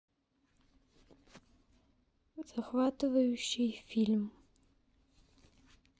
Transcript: захватывающий фильм